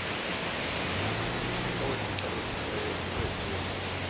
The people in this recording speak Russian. это очень хороший человек мой сын